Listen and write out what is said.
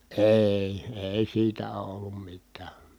ei ei siitä ole ollut mitään